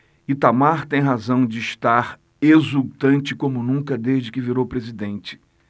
itamar tem razão de estar exultante como nunca desde que virou presidente